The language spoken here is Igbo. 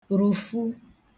rụ̀fu